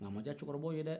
nk'a ma diya cɛkɔrɔbaw ye dɛ